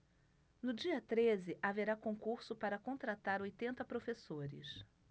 no dia treze haverá concurso para contratar oitenta professores